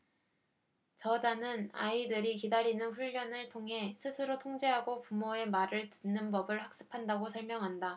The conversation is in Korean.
저자는 아이들이 기다리는 훈련을 통해 스스로 통제하고 부모의 말을 듣는 법을 학습한다고 설명한다